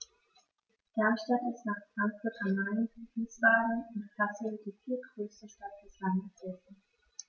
Darmstadt ist nach Frankfurt am Main, Wiesbaden und Kassel die viertgrößte Stadt des Landes Hessen